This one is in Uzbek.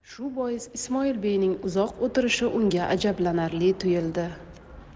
shu bois ismoilbeyning uzoq o'tirishi unga ajablanarli tuyuldi